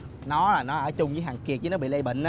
nó là nó ở chung với thằng kia chứ nó bị lây bệnh